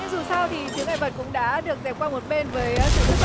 nhưng dù sao thì chướng ngại vật cũng đã được dẹp qua một bên với sự xuất